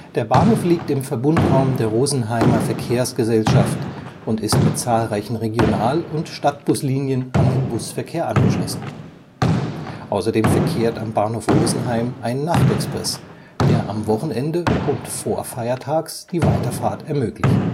Der Bahnhof liegt im Verbundraum der Rosenheimer Verkehrsgesellschaft und ist mit zahlreichen Regional - und Stadtbuslinien an den Busverkehr angeschlossen. Außerdem verkehrt am Bahnhof Rosenheim ein Nacht-Express, der am Wochenende und vorfeiertags die Weiterfahrt ermöglicht